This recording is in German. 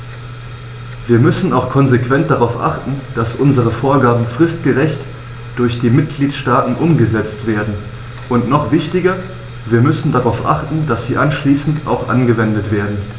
Wir müssen auch konsequent darauf achten, dass unsere Vorgaben fristgerecht durch die Mitgliedstaaten umgesetzt werden, und noch wichtiger, wir müssen darauf achten, dass sie anschließend auch angewendet werden.